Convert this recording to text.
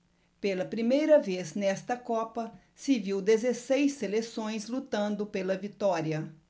pela primeira vez nesta copa se viu dezesseis seleções lutando pela vitória